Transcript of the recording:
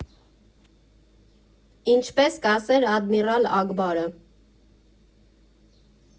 Ինչպես կասեր Ադմիրալ Ակբարը.